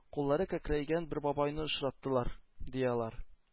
Куллары кәкрәйгән бер бабайны очраттылар, ди, алар.